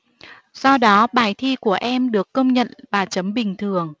do đó bài thi của em được công nhận và chấm bình thường